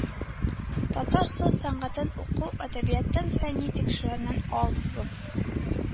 Татар сүз сәнгатен укыту, әдәбияттан фәнни тикшеренүләр алып